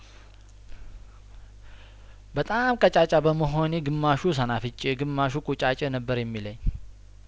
በጣም ቀጫጫ በመሆኔ ግማሹ ሰናፍጬ ግማሹ ቁጫጬ ነበር የሚሉኝ